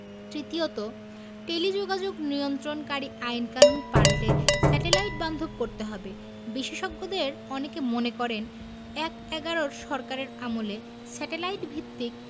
তৃতীয়ত টেলিযোগাযোগ নিয়ন্ত্রণকারী আইনকানুন পাল্টে স্যাটেলাইট বান্ধব করতে হবে বিশেষজ্ঞদের অনেকে মনে করেন এক–এগারোর সরকারের আমলে স্যাটেলাইট ভিত্তিক